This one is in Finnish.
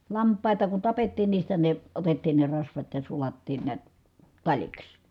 lampaita kun tapettiin niistä ne otettiin ne rasvat ja sulattiin näet taliksi